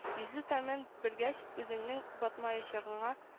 Йөзү тәмен белгәч, үзеңнең батмаячагыңа